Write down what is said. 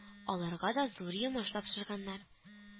Аларга да зур йомыш тапшырганнар